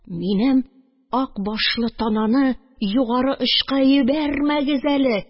Минем ак башлы тананы югары очка йибәрмәгез әле...